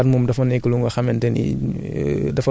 boo ñëwee di nga mën a am ci ci phosphate boobu